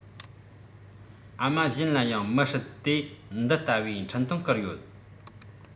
ཨ མ གཞན ལ ཡང མི སྲིད དེ འདི ལྟ བུའི འཕྲིན ཐུང བསྐུར ཡོད